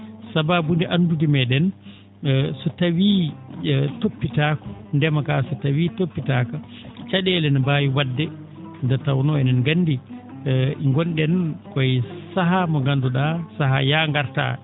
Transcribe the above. sabaabu nde anndude mee?en so tawii toppitaaka ndema kaa so tawii toppitaaka ca?eele ne mbaawi wa?de nde tawnoo e?en ngandi ngon?en koye sahaa mo ngandu?aa sahaa yah ngartaa